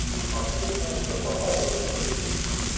Абзый мине софага алып сылый.